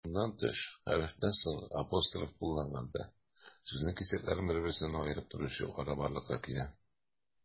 Моннан тыш, хәрефтән соң апостроф кулланганда, сүзнең кисәкләрен бер-берсеннән аерып торучы ара барлыкка килә.